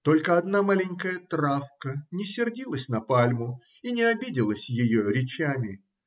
Только одна маленькая травка не сердилась на пальму и не обиделась ее речами.